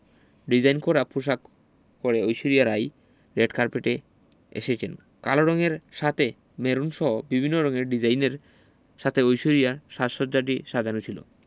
design করা পোশাক করে ঐশ্বরিয়া রাই রেড কার্পেটে এসেছেন কালো রঙের সাথে মেরুনসহ বিভিন্ন রঙের ডিজাইনের সাথে ঐশ্বরিয়ার সাজ সজ্জাটি সাজানো ছিল